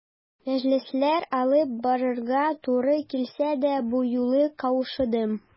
Мәҗлесләр алып барырга туры килсә дә, бу юлы каушадым.